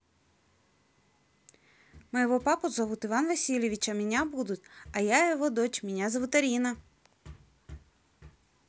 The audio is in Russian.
моего папу зовут иван васильевич а меня будут а я его дочь меня зовут арина